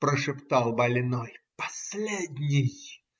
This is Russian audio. - прошептал больной. - Последний!